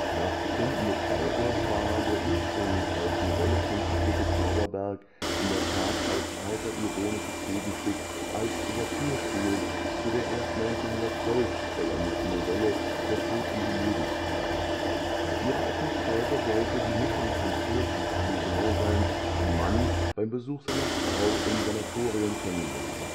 Nach Bekunden des Autors war der ursprünglich als Novelle konzipierte Zauberberg in der Tat als heiter-ironisches Gegenstück, als „ Satyrspiel “zu der erst 1912 vollendeten Novelle „ Der Tod in Venedig “gedacht. Ihre Atmosphäre sollte „ die Mischung von Tod und Amüsement “sein, die Mann beim Besuch seiner Frau im Sanatorium kennengelernt